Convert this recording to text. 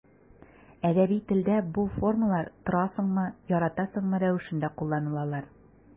Әдәби телдә бу формалар торасыңмы, яратасыңмы рәвешендә кулланылалар.